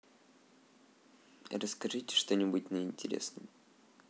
а расскажите что нибудь на интересном